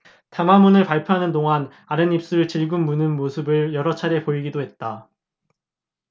담화문을 발표하는 동안 아랫입술을 질끈 무는 모습을 여러차례 보이기도 했다